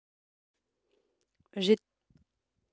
རེད